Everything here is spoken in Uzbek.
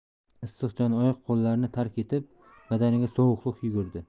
issiq jon oyoq qo'llarini tark etib badaniga sovuqlik yugurdi